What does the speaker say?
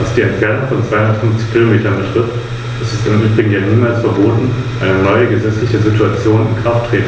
Angesichts der jüngsten Naturkatastrophen möchte ich doch noch auf die